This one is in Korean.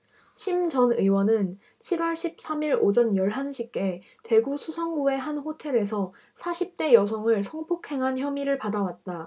심 전 의원은 칠 월 십 삼 일 오전 열 한 시께 대구 수성구의 한 호텔에서 사십 대 여성을 성폭행한 혐의를 받아 왔다